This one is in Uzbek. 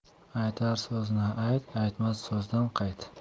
aytar so'zni ayt aytmas so'zdan qayt